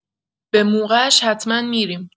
به موقعش حتما می‌ریم.